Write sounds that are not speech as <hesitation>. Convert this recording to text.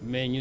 <hesitation> <hesitation>